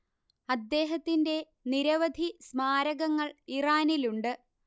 അദ്ദേഹത്തിന്റെ നിരവധി സ്മാരകങ്ങൾ ഇറാനിലുണ്ട്